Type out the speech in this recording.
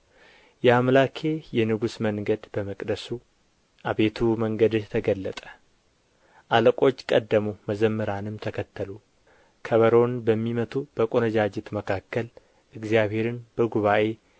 የአምላኬ የንጉሥ መንገድ በመቅደሱ አቤቱ መንገድህ ተገለጠ አለቆች ቀደሙ መዘምራንም ተከተሉ ከበሮን በሚመቱ በቈነጃጅት መካከል እግዚአብሔርን በጉባኤ